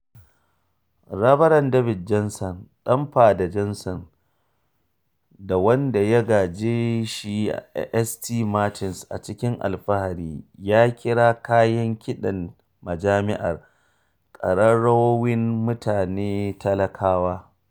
Rabaran David Johnson, ɗan Fada Johnson da wanda ya gaje shi a St. Martin's, a cikin alfahari ya kiran kayan kiɗan majami’ar “ƙararrawowin mutane talakawa.”